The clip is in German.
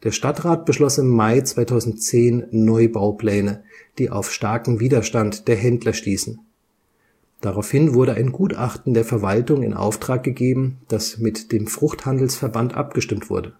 Stadtrat beschloss im Mai 2010 Neubaupläne, die auf starken Widerstand der Händler stießen. Daraufhin wurde ein Gutachten der Verwaltung in Auftrag gegeben, das mit dem Fruchthandelsverband abgestimmt wurde